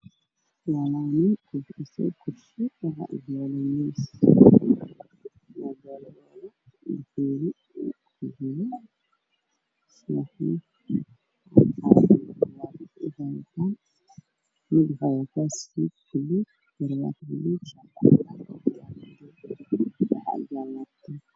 Nin ku fadhido kursi waxay wadataa xanaanada cadaan ah iyo diracdaanna waxaa ka dambeeya waddo laami ah oo socdaan gaariyaal 0